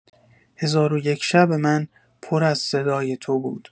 هزار و یک شب من پر از صدای تو بود.